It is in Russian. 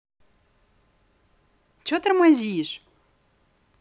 че тормозишь